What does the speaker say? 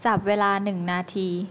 จับเวลาหนึ่งนาที